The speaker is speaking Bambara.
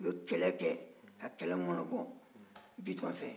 u ye kɛlɛ kɛ ka kɛlɛ mɔɔnɔbɔ bitɔn fɛ